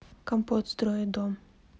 компот строит дом